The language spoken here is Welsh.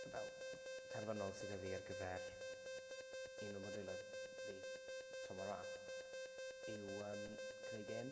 Fel terfynol sydd 'da fi ar gyfer un o'r modiwlau fi tymor yma yw yym creu gêm.